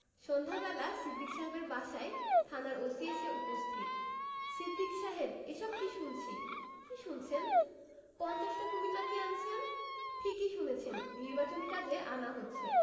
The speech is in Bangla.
সন্ধ্যাবেলা সিদ্দিক সাহেবের বাসায় থানার ওসি এসে উপস্থিত 'সিদ্দিক সাহেব এসব কি শুনছি কি শুনছেন পঞ্চাশটা কুমীর না কি আনছেন ঠিকই শুনেছেন নির্বাচনী কাজে আনা হচ্ছে